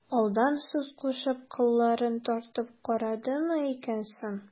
Алдан сүз кушып, кылларын тартып карадымы икән соң...